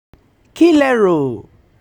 “Kí lẹ rò?